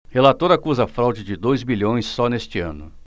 relator acusa fraude de dois bilhões só neste ano